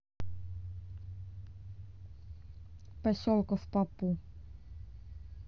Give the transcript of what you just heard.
поселка в попу